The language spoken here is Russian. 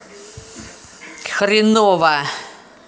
хренова